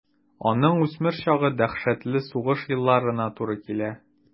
Аның үсмер чагы дәһшәтле сугыш елларына туры килә.